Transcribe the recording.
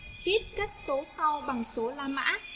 viết các số sau bằng số la mã